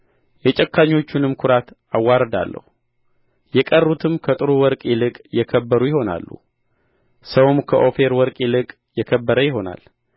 የቀሩትም ከጥሩ ወርቅ ይልቅ የከበሩ ይሆናሉ ሰውም ከኦፊር ወርቅ ይልቅ የከበረ ይሆናል